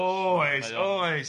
O oes, o oes.